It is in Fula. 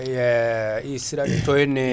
eyyi ISRA to henne